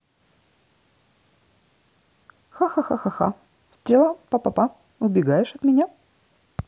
ха ха ха ха ха стрела па па па убегаешь от меня